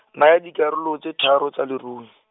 naya dikarolo tse tharo tsa lerui.